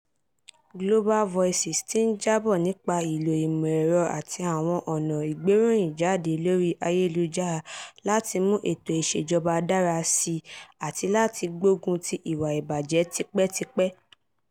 Global Voices ti ń jábọ̀ nípa ìlò ìmọ̀-ẹ̀rọ àti àwọn ọ̀nà ìgbéròyìnjáde lórí ayélujára láti mú ètò ìṣèjọba dára síi àti láti gbógun ti ìwà ìbàjẹ́ tipẹ́tipẹ́.